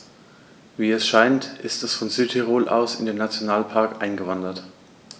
Wie es scheint, ist er von Südtirol aus in den Nationalpark eingewandert.